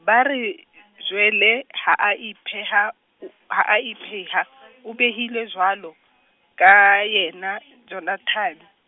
ba re Joele ha a ipeha o-, ha a ipeha, o behilwe jwalo, ka yena, Jonathane.